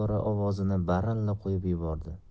ovozini baralla qo'yib yubordi